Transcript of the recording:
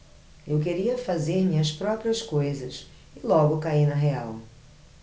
eu queria fazer minhas próprias coisas e logo caí na real